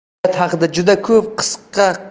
hayot haqidagi juda ko'p qisqa qisqa